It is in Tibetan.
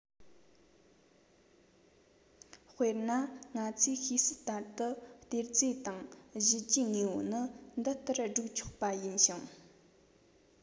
དཔེར ན ང ཚོས ཤེས གསལ ལྟར དུ གཏེར རྫས དང གཞི རྒྱུའི དངོས པོ ནི འདི ལྟར བསྒྲིགས ཆོག པ ཡིན ཞིང